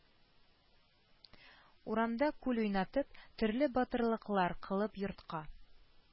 Урамда кул уйнатып, төрле “батырлыклар” кылып йортка